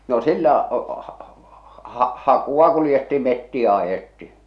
no sillä --- hakua kuljettiin metsiä ajettiin